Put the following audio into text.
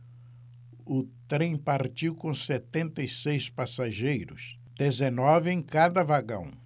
o trem partiu com setenta e seis passageiros dezenove em cada vagão